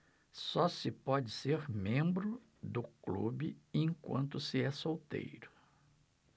só se pode ser membro do clube enquanto se é solteiro